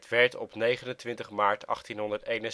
werd op 29 maart 1871 geopend en